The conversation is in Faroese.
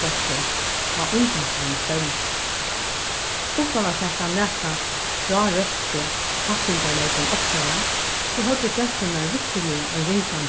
plássið á undanfarnu stevnum uttan at taka nakað frá røsku kappingarneytum okkara so høvdu genturnar vissuliga ein ringan